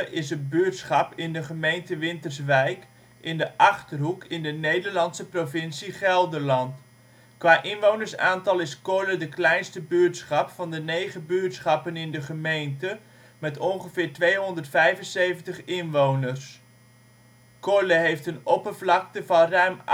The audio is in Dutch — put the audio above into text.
is een buurtschap in de gemeente Winterswijk, in de Achterhoek in de Nederlandse provincie Gelderland. Qua inwonersaantal is Corle de kleinste buurtschap van de negen buurtschappen in de gemeente met ongeveer 275 inwoners. Corle heeft een oppervlakte van ruim